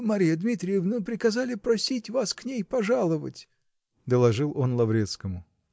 -- Марья Дмитриевна приказали просить вас к ней пожаловать, -- доложил он Лаврецкому.